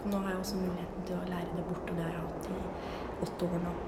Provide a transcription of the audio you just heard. Og nå har jeg også muligheten til å lære det bort, og det har jeg hatt i åtte år nå.